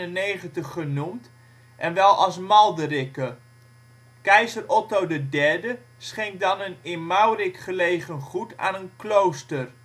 997 genoemd en wel als Maldericke. Keizer Otto III schenkt dan een in Maurik gelegen goed aan een klooster